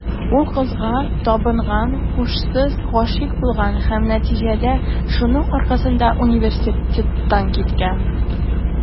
Ул кызга табынган, һушсыз гашыйк булган һәм, нәтиҗәдә, шуның аркасында университеттан киткән.